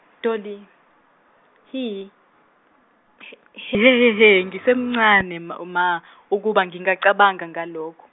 Dolly, hi hi, he he he, ngisemncane m- ma, ukuba ngingacabanga ngalokho.